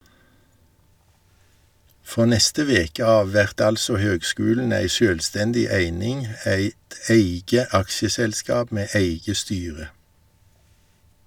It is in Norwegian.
Frå neste veke av vert altså høgskulen ei sjølvstendig eining, eit eige aksjeselskap med eige styre.